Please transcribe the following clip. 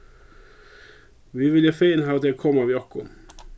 vit vilja fegin hava teg at koma við okkum